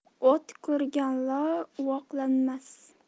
o't ko'rgan loy uvoqlanmas